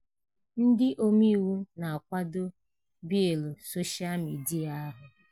Ndị omeiwu na-akwado bịịlụ soshaa midịa ahụ